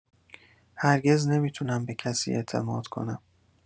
هرگز نمی‌تونم به کسی اعتماد کنم.